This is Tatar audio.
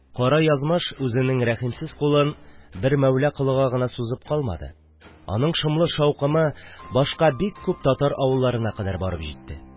Кара язмыш үзенең рәхимсез кулын бер Мәүлә Колыга гына сузып калмады, аның шомлы шаукымы башка бик күп татар авылларына кадәр барып җитте